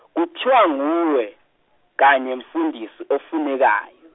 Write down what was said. kuthiwa nguwe, kanye mfundisi ofunekayo.